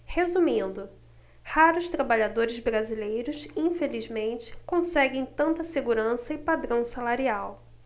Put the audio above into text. resumindo raros trabalhadores brasileiros infelizmente conseguem tanta segurança e padrão salarial